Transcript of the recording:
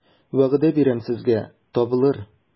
Вәгъдә бирәм сезгә, табылыр...